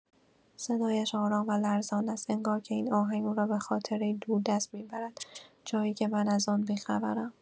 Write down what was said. صدایش آرام و لرزان است، انگار که این آهنگ او را به خاطره‌ای دوردست می‌برد، جایی که من از آن بی‌خبرم.